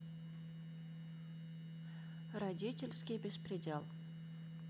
родительский беспредел